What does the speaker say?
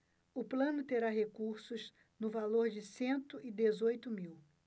o plano terá recursos no valor de cento e dezoito mil